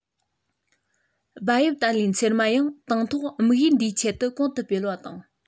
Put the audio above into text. སྦ དབྱིབས ཏ ལའི ཚེར མ ཡང དང ཐོག དམིགས ཡུལ འདིའི ཆེད གོང དུ འཕེལ བ དང